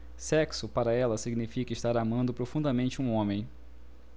sexo para ela significa estar amando profundamente um homem